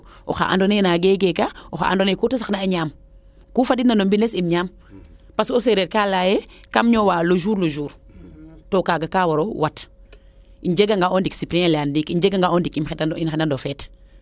o xaa ando naye nee geeka oxa ando naye kute saqna a ñaam ku fadiid na no mbines im ñaam parce que o sereer kaa leya ye kam ñoowa le jour o jour to kaaga ka waro wat im jega nga o ndik supplier leyaan ndiiki im jega nga o ndik im xetano feet